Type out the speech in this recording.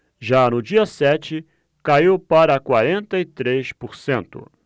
já no dia sete caiu para quarenta e três por cento